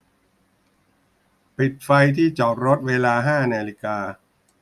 ปิดไฟที่จอดรถเวลาห้านาฬิกา